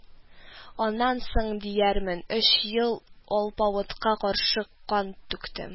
Аннан соң, диярмен, өч ел алпавытка каршы кан түктем